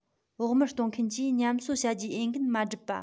བོགས མར གཏོང མཁན གྱིས ཉམས གསོ བྱ རྒྱུའི འོས འགན མ བསྒྲུབས པ